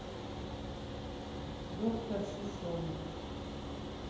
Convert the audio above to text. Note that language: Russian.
доктор шишонин